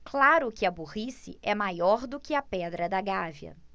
claro que a burrice é maior do que a pedra da gávea